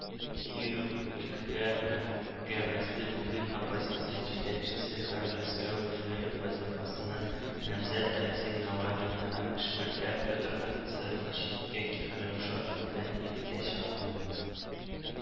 Киров өлкә мәхкәмәсе бүген оппозиция җитәкчесе һәм Мәскәү мэры вазифасына намзәт Алексей Навалыйны һәм эшмәкәр Петр Офицеровны читкә китмәү шарты белән иреккә чыгарды.